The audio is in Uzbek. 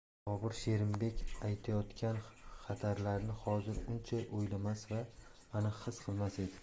bobur sherimbek aytayotgan xatarlarni hozir uncha o'ylamas va aniq his qilmas edi